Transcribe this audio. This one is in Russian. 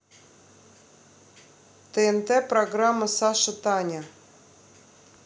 тнт программа саша таня